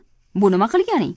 bu nima qilganing